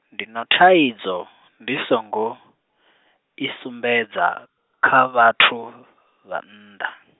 ndi na thaidzo ndi songo, i sumbedza, kha vhathu, vhannḓa.